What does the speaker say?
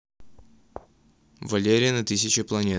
валериан и тысяча планет